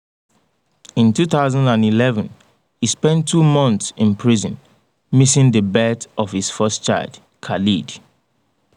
In 2011, he spent two months in prison, missing the birth of his first child, Khaled.